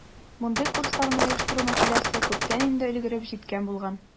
Мондый курсларны оештыру мәсьәләсе күптән инде өлгереп җиткән булган.